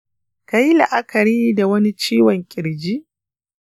kayi la'akari da wani ciwon kirji?